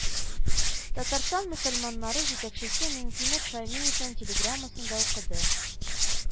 Татарстан мөселманнары җитәкчесе Миңтимер Шәймиевнең телеграммасын да укыды